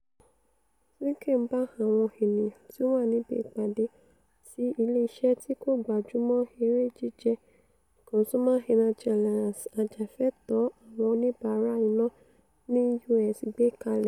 Zinke ń bá àwọn ènìyàn tí ó wà níbi ìpàdé ti Ilé iṣẹ́ tí kò gbájúmọ́ eré jíjẹ Consumer Energy Alliance (Ajàfẹ́tọ̀ọ́ àwọn oníbàárà iná) ní US gbé kalẹ̀.